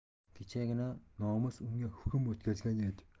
kechagina nomus unga hukm o'tkazgan edi